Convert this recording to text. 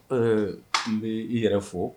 Ɛɛ n bɛ i yɛrɛ fɔ